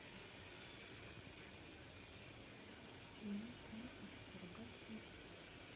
нет а я хочу поругаться